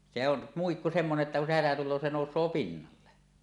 se on muikku semmoinen että kun se hätä tulee se nousee pinnalle